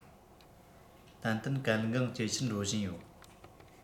ཏན ཏན གལ འགངས ཇེ ཆེར འགྲོ བཞིན ཡོད